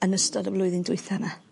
yn ystod y flwyddyn dwytha 'ma.